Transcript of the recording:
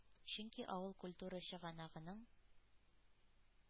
Чөнки авыл культура чыганагының